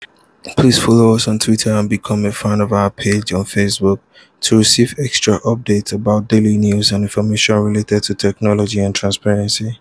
Please follow us on Twitter and become a fan of our page on Facebook to receive extra updates about daily news and information related to technology for transparency.